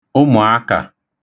ụmụ̀akà